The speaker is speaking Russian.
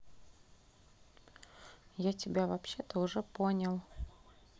я тебя вообще то уже понял